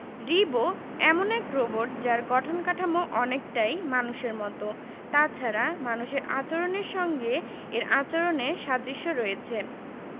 রিবো এমন এক রোবট যার গঠন কাঠামো অনেকটাই মানুষের মতো তাছাড়া মানুষের আচরণের সঙ্গে এর আচরণের সাদৃশ্য রয়েছে